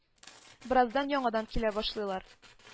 Бераздан яңадан килә башлыйлар